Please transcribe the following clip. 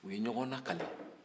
u ye ɲɔgɔn lakali